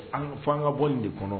An fo an ka bɔ nin de kɔnɔ